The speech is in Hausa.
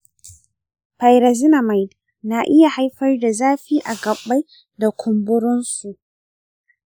pyrazinamide na iya haifar da zafi a gaɓɓai da kumburinsu.